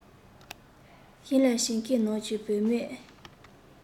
ཞིང ལས བྱེད མཁན ནང གི བུ མེད